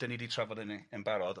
'Dan ni 'di trafod hynny yn barod